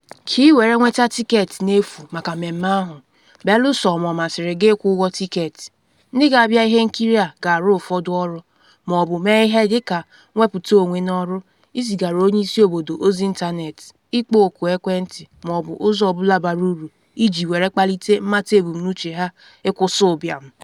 Ka ị were nweta tịketị n’efu maka mmemme ahụ (beluso ma ọ masịrị gị ịkwụ ụgwọ tịketị), ndị ga-abịa ihe nkiri a ga-arụ ụfọdụ ọrụ, ma ọ bụ ‘mee ihe’ dịka nwepụta onwe n’ọrụ, izigara onye isi obodo ozi ịntanetị, ịkpọ oku ekwentị ma ọ bụ ụzọ ọ bụla bara uru iji were kpalite mmata ebumnuche ha ịkwụsị ụbịam.